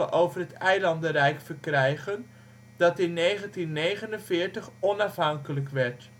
over het eilandenrijk verkrijgen, dat in 1949 onafhankelijk werd